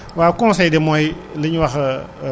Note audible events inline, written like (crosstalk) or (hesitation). donte da nga ciy jaaraat sax delloo ko (hesitation) bàyyee ko mbokki baykat yi